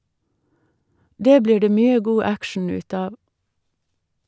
Det blir det mye god action ut av!